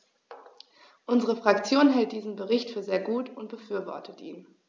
Unsere Fraktion hält diesen Bericht für sehr gut und befürwortet ihn.